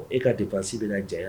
E kaa difasi bɛna diya